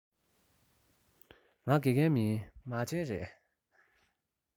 ང དགེ རྒན མིན མ བྱན ཡིན